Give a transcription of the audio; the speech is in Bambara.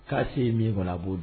K'a se ye min kɔni ye a b'o